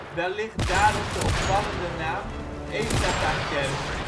Wellicht daarom de opvallende naam " Efrathakerk